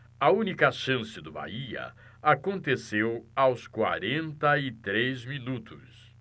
a única chance do bahia aconteceu aos quarenta e três minutos